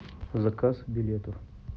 заказ билетов